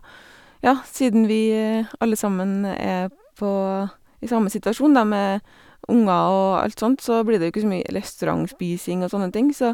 Ja, siden vi alle sammen er på i samme situasjon, da, med unger og alt sånt så blir det jo ikke så mye restaurantspising og sånne ting, så...